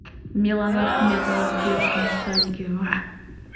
милана хаметова в детском садике